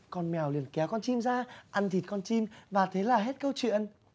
con mèo liền kéo con chim ra ăn thịt con chim và thế là hết câu chuyện